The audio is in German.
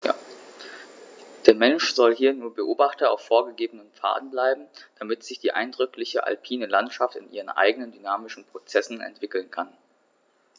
Der Mensch soll hier nur Beobachter auf vorgegebenen Pfaden bleiben, damit sich die eindrückliche alpine Landschaft in ihren eigenen dynamischen Prozessen entwickeln kann.